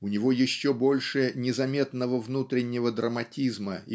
у него еще больше незаметного внутреннего драматизма